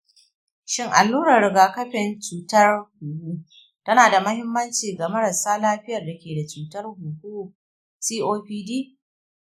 shin allurar riga-kafin cutar huhu tana da mahimmanci ga marasa lafiyar da ke da cutar huhu copd?